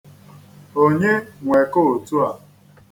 Onye nwe kootu a?